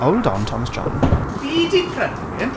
Hold on, Thomas John. Fi 'di prynu...